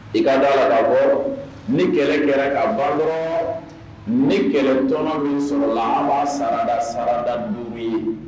I ka dara labɔ ni kɛlɛ kɛra ka banɔrɔ ni kɛlɛtɔɔnɔ min sɔrɔ la a b'a sarada sarada numu ye